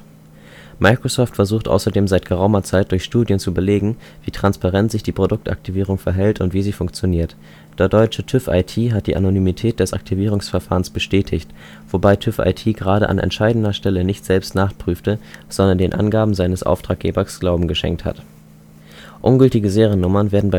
versucht außerdem seit geraumer Zeit, durch Studien zu belegen, wie transparent sich die Produktaktivierung verhält und wie sie funktioniert. Der deutsche TÜViT hat die Anonymität des Aktivierungsverfahrens „ bestätigt “, wobei TÜViT gerade an entscheidender Stelle nicht selbst nachprüfte, sondern den Angaben seines Auftraggebers Glauben geschenkt hat. Ungültige Seriennummern werden